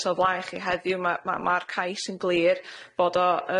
sy' o flaen chi heddiw ma' ma' ma'r cais yn glir fod o